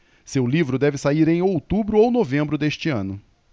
seu livro deve sair em outubro ou novembro deste ano